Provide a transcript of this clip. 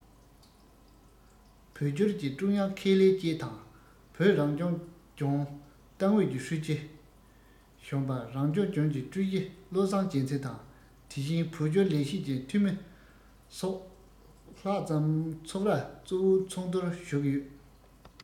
བོད སྐྱོར གྱི ཀྲུང དབྱང ཁེ ལས བཅས དང བོད རང སྐྱོང ལྗོངས ཏང ཨུད ཀྱི ཧྲུའུ ཅི གཞོན པ རང སྐྱོང ལྗོངས ཀྱི ཀྲུའུ ཞི བློ བཟང རྒྱལ མཚན དང དེ བཞིན བོད སྐྱོར ལས བྱེད ཀྱི འཐུས མི སོགས ལྷག ཙམ ཚོགས ར གཙོ བོའི ཚོགས འདུར ཞུགས ཡོད